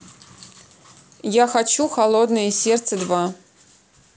я хочу холодное сердце два